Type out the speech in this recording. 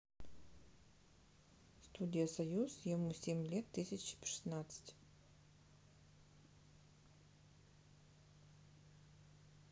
студия союз ему семь лет тысячи шестнадцать